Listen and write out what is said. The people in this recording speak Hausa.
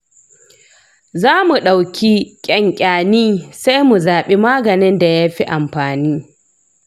zamu ɗauki ƙyanƙyani sai mu zaɓi maganin da yafi aminci.